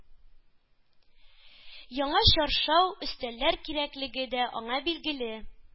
Яңа чаршау, өстәлләр кирәклеге дә аңа билгеле.